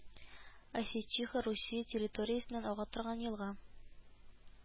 Осечиха Русия территориясеннән ага торган елга